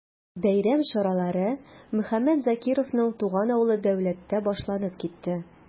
Бәйрәм чаралары Мөхәммәт Закировның туган авылы Дәүләттә башланып китте.